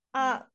A